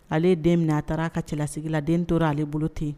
Ale den minɛ a taara a ka cɛlasigi la den tora ale bolo tɛ yen